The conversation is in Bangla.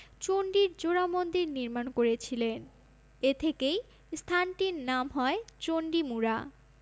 চণ্ডীর জোড়া মন্দির নির্মাণ করেছিলেন এ থেকেই স্থানটির নাম হয় চণ্ডীমুড়া